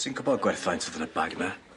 Ti'n gwbod gwerth faint o'dd yn y bag 'na?